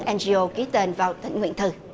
en di âu kí tên vào thỉnh nguyện thư